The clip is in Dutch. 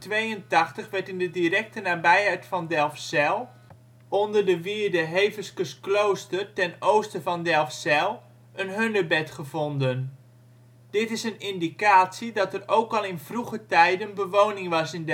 1982 werd in de directe nabijheid van Delfzijl, onder de wierde Heveskesklooster ten oosten van Delfzijl een Hunebed gevonden. Dit is een indicatie dat er ook al in vroege tijden bewoning was in